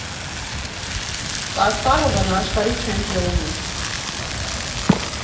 Կասպարովն աշխարհի չեմպիոն է։